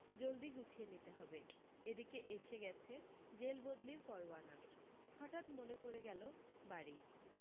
জলদি গুছিয়ে নিতে হবে এদিকে এসে গেছে জেলবদলির পরওয়ানা হঠাত মনে পড়ে গেল বাড়ী